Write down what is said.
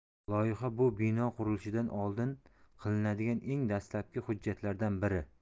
loyiha bu bino qurilishidan oldin qilinadigan eng dastlabki hujjatlardan biri